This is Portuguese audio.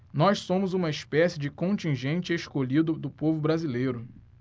nós somos uma espécie de contingente escolhido do povo brasileiro